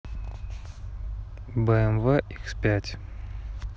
bmw x пять